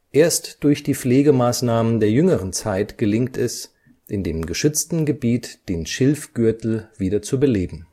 Erst durch die Pflegemaßnahmen der jüngeren Zeit gelingt es, in dem geschützten Gebiet den Schilfgürtel wieder zu beleben